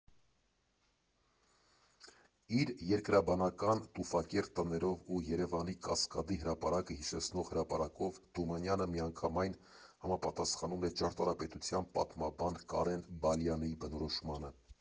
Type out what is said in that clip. Իր երկբնակարան տուֆակերտ տներով ու Երևանի Կասկադի հրապարակը հիշեցնող հրապարակով Թումանյանը միանգամայն համապատասխանում է ճարտարապետության պատմաբան Կարեն Բալյանի բնորոշմանը.